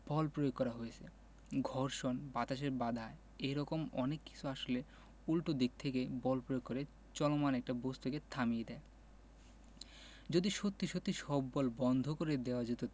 বল প্রয়োগ করা হয়েছে ঘর্ষণ বাতাসের বাধা এ রকম অনেক কিছু আসলে উল্টো দিক থেকে বল প্রয়োগ করে চলমান একটা বস্তুকে থামিয়ে দেয় যদি সত্যি সত্যি সব বল বন্ধ করে দেওয়া যেত